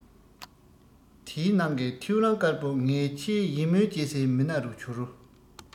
དེའི ནང གི ཐེའུ རང དཀར པོ ངའི ཆེས ཡིད སྨོན སྐྱེ སའི མི སྣ རུ གྱུར